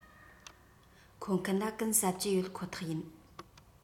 མཁོ མཁན ལ གུན གསབ ཀྱི ཡོད ཁོ ཐག ཡིན